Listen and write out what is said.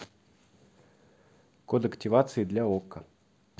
код активации для окко